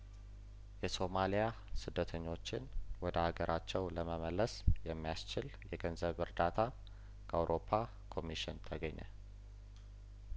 የሶማሊያስደተኞችን ወደ አገራቸው ለመመለስ የሚያስችል የገንዘብ እርዳታ ከአውሮፓ ኮሚሽን ተገኘ